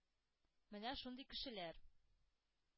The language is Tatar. Менә шундый кешеләр